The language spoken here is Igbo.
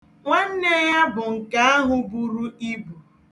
Nwanne ya bụ nke ahụ buru ibu.